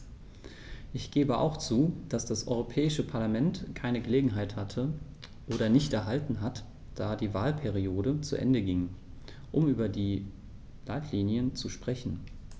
Ich gebe auch zu, dass das Europäische Parlament keine Gelegenheit hatte - oder nicht erhalten hat, da die Wahlperiode zu Ende ging -, um über die Leitlinien zu sprechen.